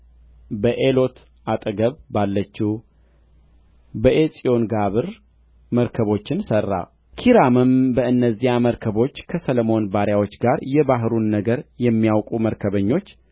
በኤሎት አጠገብ ባለችው በዔጽዮንጋብር መርከቦችን ሠራ ኪራምም በእነዚያ መርከቦች ከሰሎሞን ባሪያዎች ጋር የባሕሩን ነገር የሚያውቁ መርከበኞች